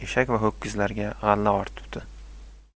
eshak va ho'kizlarga g'alla ortibdi